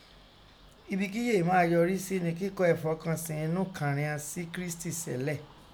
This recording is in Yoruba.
Ibi kí yèé máa yọrí sí ni kíkọ ẹ̀fọkànsin ẹnu kàn righon si Kirisiti sẹ́lẹ̀